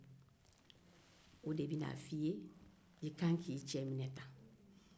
o de bɛ n'a fo i ye i ka kan k'i cɛ minɛ tan